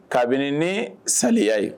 Kabini ni saya ye